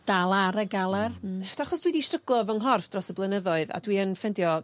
dal ar y galar. Hmm. Hmm. Jyst achos dwi 'di stryglo efo'n nghorff dros y blynyddoedd a dwi yn ffindio